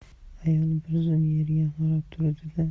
ayol bir zum yerga qarab turdi da